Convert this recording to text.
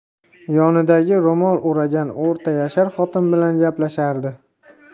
yonidagi ro'mol o'ragan o'rta yashar xotin bilan gaplashardi